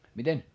miten